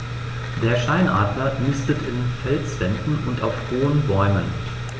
Der Steinadler nistet in Felswänden und auf hohen Bäumen.